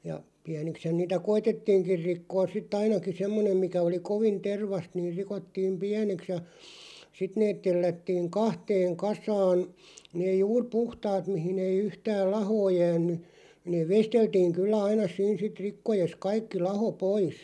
ja pieniksihän niitä koetettiinkin rikkoa sitten ainakin semmoinen mikä oli kovin tervaista niin rikottiin pieneksi ja sitten ne tellättiin kahteen kasaan ne juuri puhtaat mihin ei yhtään lahoa jäänyt ne veisteltiin kyllä aina siinä sitten rikkoessa kaikki laho pois